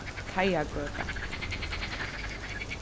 teigagøta